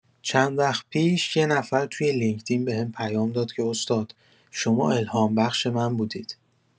چند وقت پیش یه نفر توی لینکدین بهم پیام داد که استاد، شما الهام‌بخش من بودید.